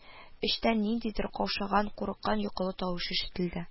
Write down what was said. Эчтән ниндидер, каушаган, курыккан йокылы тавыш ишетелде: